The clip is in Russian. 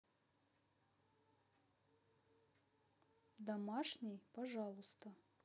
домашний пожалуйста